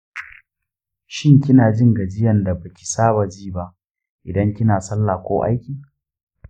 shin kina jin gajiyan da baki saba jiba idan kina sallah ko aiki?